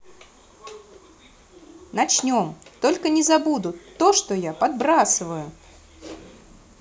начнем только не забуду то что я подбрасываю